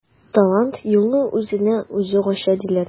Талант юлны үзенә үзе ача диләр.